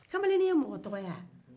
kamalenin ye mɔgɔ tɔgɔ ye wa